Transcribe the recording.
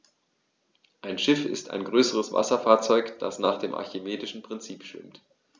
Ein Schiff ist ein größeres Wasserfahrzeug, das nach dem archimedischen Prinzip schwimmt.